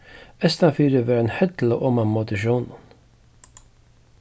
eystanfyri var ein hella oman móti sjónum